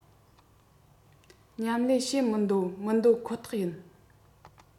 མཉམ གླས བྱེད མི འདོད མི འདོད ཁོ ཐག ཡིན